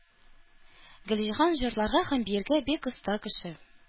Гөлҗиһан җырларга һәм биергә бик оста кеше.